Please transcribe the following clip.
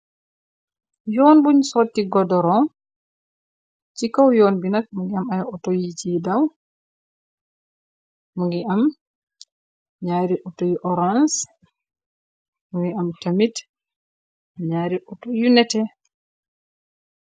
Yoon buñ sotti godoro, ci kaw yoon bi nag mungi am ay auto yi ci daw mungi am ñaari auto yu orange mungi am tamit ñaari auto yu nètè.